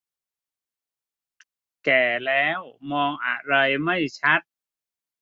แก่แล้วมองอะไรไม่ชัด